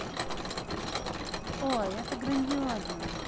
ой это грандиозно